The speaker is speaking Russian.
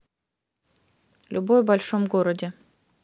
любовь в большом городе